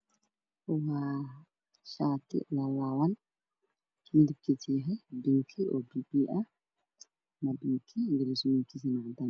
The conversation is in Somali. Waa shaati laa laaban midabkiisu yahay pink oo biyo biyo ah miiska midabkiisana waa cadaan